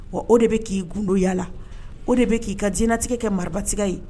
O de bɛ k'i kundoyala o de bɛ k'i ka dinɛtigɛ kɛ maratigɛ ye